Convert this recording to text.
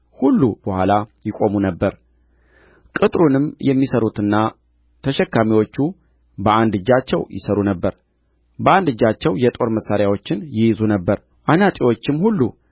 ሁሉ በኋላ ይቆሙ ነበር ቅጥሩንም የሚሠሩትና ተሸካሚዎቹ በአንድ እጃቸው ይሠሩ ነበር በአንድ እጃቸውም የጦር መሣሪያቸውን ይይዙ ነበር አናጢዎቹም ሁሉ